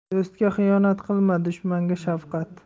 do'stga xiyonat qilma dushmanga shafqat